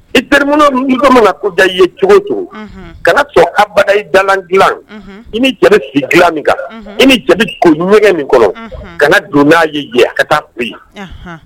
I bererimkoma ko da i ye cogo cogo kana tɔ ka baara i dalalan dilan ye i ni ja bi dilan min kan i ni jaabi ko ɲɛgɛn min kɔnɔ ka don ye ye a ka taa fili